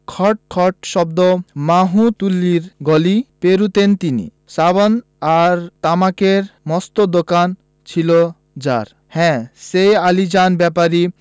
খট খট শব্দ মাহুতটুলির গলি পেরুতেন তিনি সাবান আর তামাকের মস্ত দোকান ছিল যার হ্যাঁ সেই আলীজান ব্যাপারীর